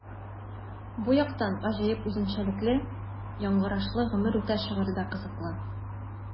Бу яктан гаҗәеп үзенчәлекле яңгырашлы “Гомер үтә” шигыре дә кызыклы.